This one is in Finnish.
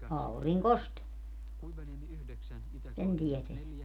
auringosta sen tietää